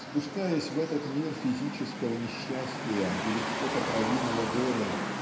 спускаясь в этот мир физического несчастья и легко поправимого горя